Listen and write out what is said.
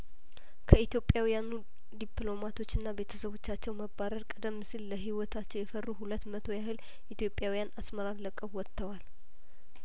ከኢትዮጵያ ውያኑ ዲፕሎማቶችና ቤተሰቦቻቸው መባረር ቀደም ሲል ለህይወታቸው የፈሩ ሁለት መቶ ያህል ኢትዮጵያውያን አስመራን ለቅቀው ወጥተዋል